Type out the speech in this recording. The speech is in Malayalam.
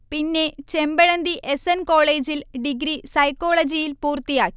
പിന്നെ, ചെമ്പഴന്തി എസ്. എൻ. കോളേജിൽ ഡിഗ്രി സൈക്കോളജിയിൽ പൂർത്തിയാക്കി